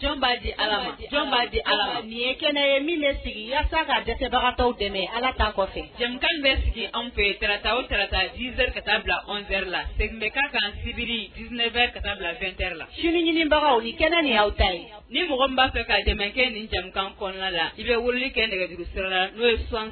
Jan' di alaa di ala ni ye kɛnɛ ye min sigi walasasa ka dɛsɛbagatɔw dɛmɛ ala ta jamukan bɛ sigi an fɛ kata o sarata7 ka taa bila anwɛ la sɛgɛn bɛ kan kan zbiri bɛ ka taa bila2ɛ la sini ɲinibagaw ni kɛnɛ ni aw ta ye ni mɔgɔ b'a fɛ ka jamanakɛ nin jamukan kɔnɔna la i bɛ wulili kɛ nɛgɛsɛ la n'o ye son